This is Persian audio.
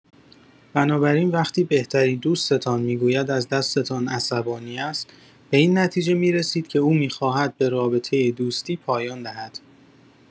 بنابراین وقتی بهترین دوستتان می‌گوید از دستتان عصبانی است، به این نتیجه می‌رسید که او می‌خواهد به رابطه دوستی پایان دهد.